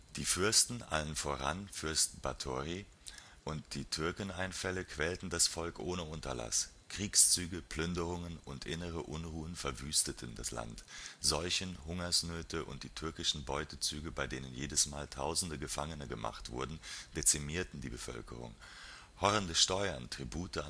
Die Fürsten - allen voran der Fürst Báthory - und die Türkeneinfälle quälten das Volk ohne Unterlass. Kriegszüge, Plünderungen und innere Unruhen verwüsteten das Land. Seuchen, Hungernöte und die türkischen Beutezüge, bei denen jedes Mal tausende Gefangene gemacht wurden, dezimierten die Bevölkerung. Horrende Steuern, Tribute